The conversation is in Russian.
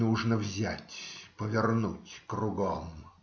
Нужно взять, повернуть кругом.